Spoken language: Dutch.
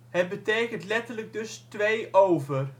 Het betekent letterlijk dus: twee over